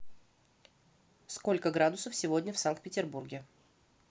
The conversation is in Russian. сколько градусов сегодня в санкт петербурге